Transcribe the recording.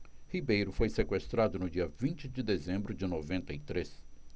ribeiro foi sequestrado no dia vinte de dezembro de noventa e três